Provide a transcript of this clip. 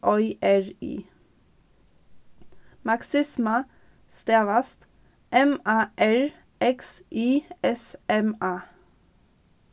oy r i marxisma stavast m a r x i s m a